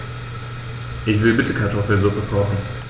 Ich will bitte Kartoffelsuppe kochen.